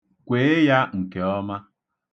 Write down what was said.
Kwee ya nke ọma.